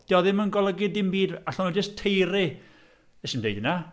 Dydy o ddim yn golygu dim byd, allen nhw jyst taeru- "wnes i ddim deud hynna".